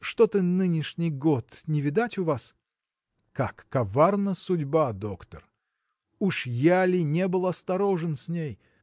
Что-то нынешний год не видать у вас. – Как коварна судьба, доктор! уж я ли не был осторожен с ней?